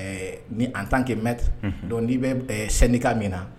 Ni an tan kɛ mti dɔn' bɛ sɛnɛnika min na